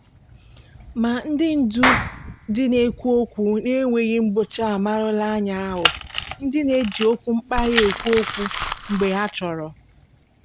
Ma ndị ndú ndị na-ekwu okwu n'enweghị mgbochi amaarala anyị ahụ, ndị na-eji okwu mkparị ekwu okwu mgbe ha chọrọ.